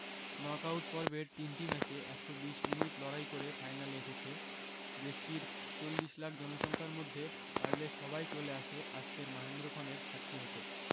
knock out পর্বের তিনটি ম্যাচে ১২০ মিনিট লড়াই করে ফাইনালে এসেছে দেশটির ৪০ লাখ জনসংখ্যার মধ্যে পারলে সবাই চলে আসে আজকের মাহেন্দ্রক্ষণের সাক্ষী হতে